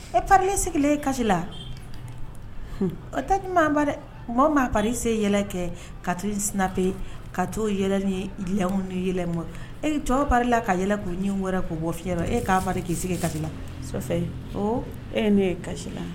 E pa sigilen e kasi la mɔgɔ maa pa se yɛlɛ kɛ ka sinaina ka to yɛlɛ nimu ni yɛlɛ e tɔgɔ pala ka yɛlɛ k'u wɛrɛ k' bɔ f fi e k'ari k'i sigi ka la e ne ye kasi la